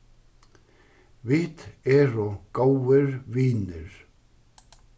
vit eru góðir vinir